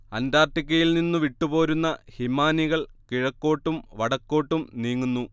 അന്റാർട്ടിക്കിൽനിന്നു വിട്ടുപോരുന്ന ഹിമാനികൾ കിഴക്കോട്ടും വടക്കോട്ടും നീങ്ങുന്നു